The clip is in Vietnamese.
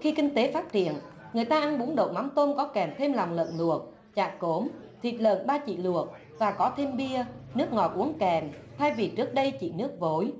khi kinh tế phát triển người ta ăn bún đậu mắm tôm có kèm thêm lòng lợn luộc chả cốm thịt lợn ba chỉ luộc và có thêm bia nước ngọt uống kèm thay vì trước đây chỉ nước vối